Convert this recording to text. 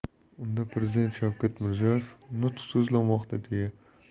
unda prezident shavkat mirziyoyev nutq so'zlamoqda